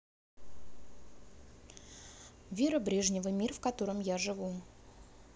вера брежнева мир в котором я живу